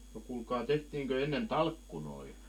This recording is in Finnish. no kuulkaa tehtiinkö ennen talkkunoita